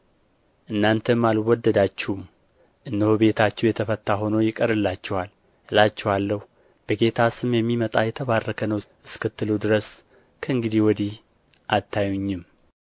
እናንተም አልወደዳችሁም እነሆ ቤታችሁ የተፈታ ሆኖ ይቀርላችኋል እላችኋለሁም በጌታ ስም የሚመጣ የተባረከ ነው እስክትሉ ድረስ ከእንግዲህ ወዲህ አታዩኝም